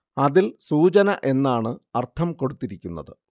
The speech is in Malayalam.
അതിൽ സൂചന എന്നാണ് അർത്ഥം കൊടുത്തിരിക്കുന്നത്